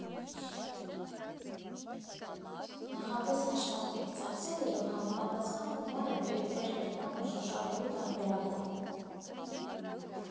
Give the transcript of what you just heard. Նախապես հաշվարկեք ծախսերը և համապատասխան գումարը դրեք ձեր գրպանը՝ շոշափելի տարբերակով։